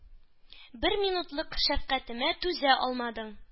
Бер минутлык шәфкатемә түзә алмадың;